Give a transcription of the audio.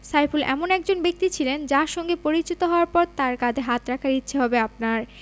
সাইফুল এমন একজন ব্যক্তি ছিলেন যাঁর সঙ্গে পরিচিত হওয়ার পর তাঁর কাঁধে হাত রাখার ইচ্ছা হবে আপনার